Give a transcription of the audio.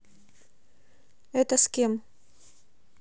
это с кем